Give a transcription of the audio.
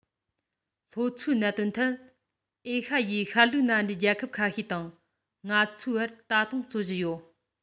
ལྷོ མཚོའི གནད དོན ཐད ཨེ ཤ ཡའི ཤར ལྷོའི མནའ འབྲེལ རྒྱལ ཁབ ཁ ཤས དང ང ཚོའི བར ད དུང རྩོད གཞི ཡོད